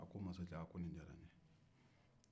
a ko nin diyara n ye masajan